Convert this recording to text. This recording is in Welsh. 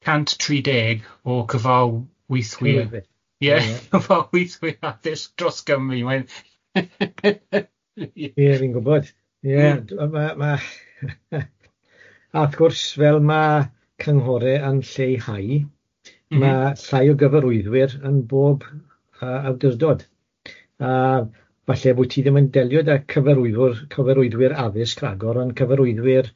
cant tri deg o cyfar-wythwyr... Cyfarwyddwyr. ...ie cyfarwythwyr addysg dros Gymru mae'n... Ie fi'n gwybod ie ma' ma' wrth gwrs fel ma' cynghore yn lleihau, ma llai o gyfarwyddwyr yn bob yy awdurdod a falle bo' ti ddim yn delio â cyfarwyddwr cyfarwyddwyr addysg rhagor ond cyfarwyddwyr